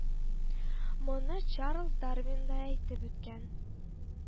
Моны Чарлз Дарвин да әйтеп үткән